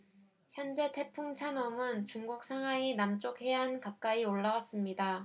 현재 태풍 찬홈은 중국 상하이 남쪽 해안 가까이 올라왔습니다